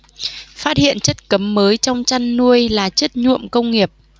phát hiện chất cấm mới trong chăn nuôi là chất nhuộm công nghiệp